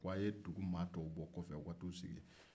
ko a ye dugu maa tɔw bɔ kɔ fɛ u ka taa u sigi